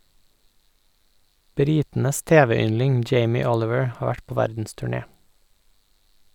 Britenes tv-yndling Jamie Oliver har vært på verdensturné.